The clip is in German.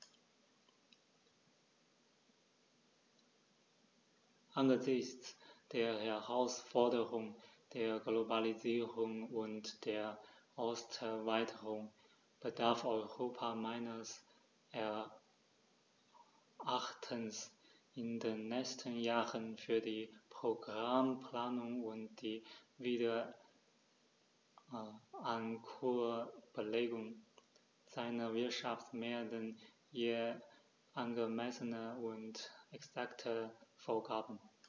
Angesichts der Herausforderung der Globalisierung und der Osterweiterung bedarf Europa meines Erachtens in den nächsten Jahren für die Programmplanung und die Wiederankurbelung seiner Wirtschaft mehr denn je angemessener und exakter Vorgaben.